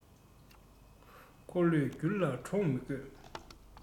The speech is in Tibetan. འཁོར ལོས བསྒྱུར ལ གྲོགས མི དགོས